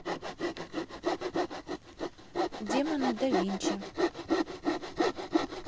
демоны да винчи